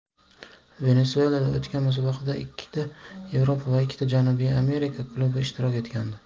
venesuelada o'tgan musobaqada ikkita yevropa va ikkita janubiy amerika klubi ishtirok etgandi